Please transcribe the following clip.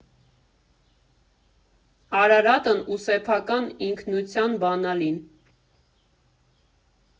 Արարատն ու սեփական ինքնության բանալին։